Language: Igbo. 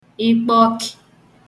ịkpọkị̄